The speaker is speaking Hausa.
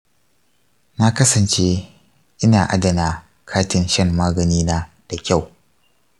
na kasance ina adana katin shan maganina da kyau.